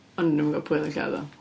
Ond o'n i'm yn gwybod pwy oedd yn lladd o.